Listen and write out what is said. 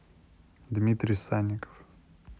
дмитрий санников